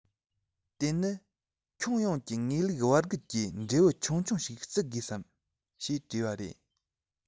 དེ ནི ཡོངས ཁྱབ ཀྱི ངེས ལུགས བར བརྒལ ཀྱི འབྲས བུ ཆུང ཆུང ཞིག ལ བརྩི དགོས སམ ཞེས དྲིས པ རེད